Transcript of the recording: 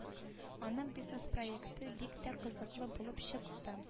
Аның бизнеспроекты бик тә кызыклы булып чыкты